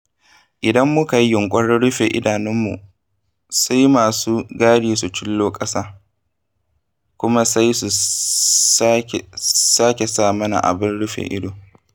Idan muka yi yunƙurin rufe idanunmu, sai masu gadi su cillo ƙasa. Kuma sai su sake sa mana abin rufe ido.